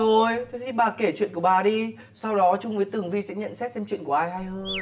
rồi thế thì bà kể chuyện của bà đi sau đó trung với tường vi sẽ nhận xét chuyện của ai hay hơn